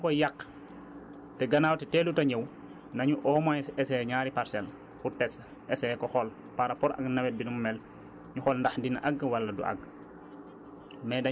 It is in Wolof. ñu ne balaa ñu koy yàq te gannaaw te teelut a ñëw nañu au moins essayer ñaari parcelles pour test essayer ko xool par rapport ak nawet bi nu mu mel ñu xool ndax dina àgg wala du àgg